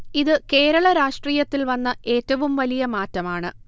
ഇത് കേരള രാഷ്ട്രീയത്തിൽ വന്ന ഏറ്റവും വലിയ മാറ്റമാണ്